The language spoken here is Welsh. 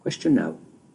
Cwestiwn naw: